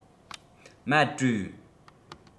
མར བྲོས